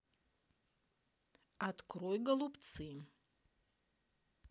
открой голубцы